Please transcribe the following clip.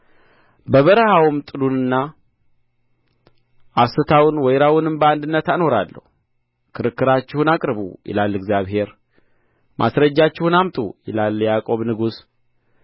በበረሀውም ጥዱንና አስታውን ወይራውንም በአንድነት አኖራለሁ ክርክራችሁን አቅርቡ ይላል እግዚአብሔር ማስረጃችሁን አምጡ ይላል የያዕቆብ ንጉሥ